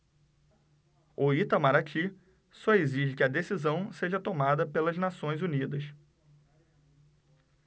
o itamaraty só exige que a decisão seja tomada pelas nações unidas